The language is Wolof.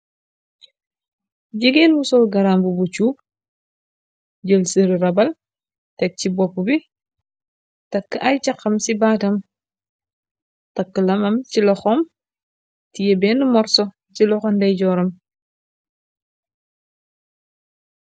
Jigéen mu sol garambubu cuub jël seru rabal tek ci bop bi takka ay caxam ci batam takka lamam ci loxom tiyèh benna morso ci loxo ndeyjooram.